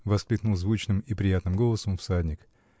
-- воскликнул звучным и приятным голосом всадник.